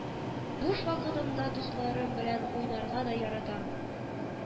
Буш вакытымда дусларым белән уйнарга да яратам